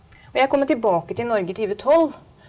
og jeg kommer tilbake til Norge i tjuetolv.